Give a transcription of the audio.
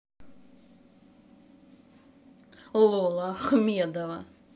lola ahmedova